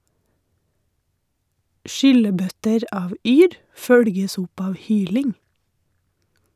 Skyllebøtter av yr følges opp av hyling.